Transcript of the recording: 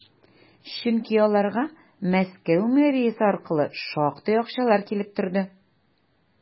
Чөнки аларга Мәскәү мэриясе аркылы шактый акчалар килеп торды.